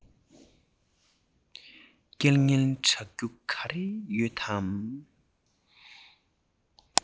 སྐད ངན རྒྱག རྒྱུ ག རེ ཡོད དམ